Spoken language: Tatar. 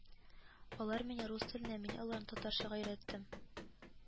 Алар мине рус теленә, мин аларны татарчага өйрәтәм